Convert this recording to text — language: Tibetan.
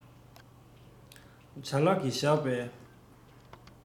བྱ གླག གིས བཞག པའི